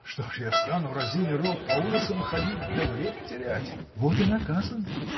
– Что ж, я стану разиня рот по улицам ходить да время терять? – Вот и наказан.